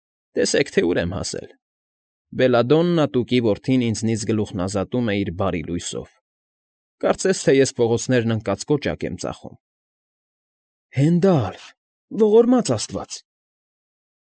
Տեսեք, թե ուր եմ հասել. Բելադոննա Տուկի որդին ինձնից գլուխն ազատում է իր «բարի լույսով», կարծես թե ես փողոցներն ընկած կոճակ եմ ծախում։ ֊ Հենդա՜լֆ, ողորմած աստվածներ։